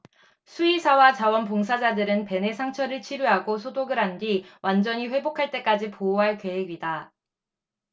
수의사와 자원 봉사자들은 벤의 상처를 치료하고 소독을 한 뒤 완전히 회복할 때까지 보호할 계획이다